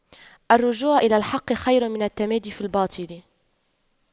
الرجوع إلى الحق خير من التمادي في الباطل